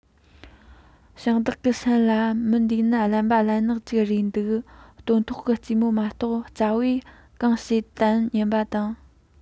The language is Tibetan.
ཞིང བདག གི སེམས ལ མི འདི ནི གླེན པ གླེན ནག ཅིག རེད འདུག སྟོན ཐོག གི ཙེ མོ མ གཏོགས ཙ བས གང བྱེད དམ སྙམ པ དང